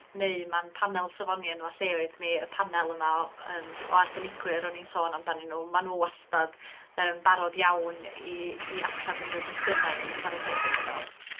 neu ma'n panel safoni enwa' lleoedd ni, y panel yma o yym o arbenigwyr o'n i'n sôn amdanyn nw, ma' nw wastad yn barod iawn i i atab unryw gwestiyna' i ni chwara teg iddyn nw.